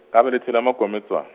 kabela tswela eMagomedzwana.